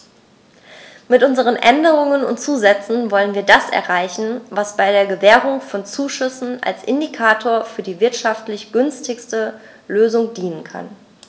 Mit unseren Änderungen und Zusätzen wollen wir das erreichen, was bei der Gewährung von Zuschüssen als Indikator für die wirtschaftlich günstigste Lösung dienen kann.